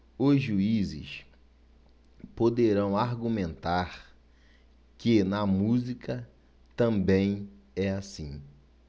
os juízes poderão argumentar que na música também é assim